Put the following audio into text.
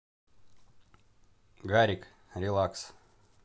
гарик релакс